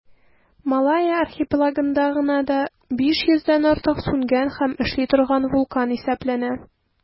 Малайя архипелагында гына да 500 дән артык сүнгән һәм эшли торган вулкан исәпләнә.